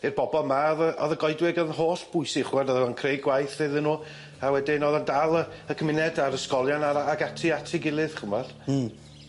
I'r bobol 'ma o'dd yy o'dd y goedwig yn holl bwysig ch'mod o'dd o'n creu gwaith iddyn nw a wedyn o'dd o'n dal y y cymuned a'r ysgolion a'r yy ag ati at ei gilydd ch'mod? Hmm.